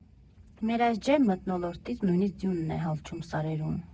«Մեր այս ջերմ մթնոլորտից նույնիսկ ձյունն է հալչում սարերում»։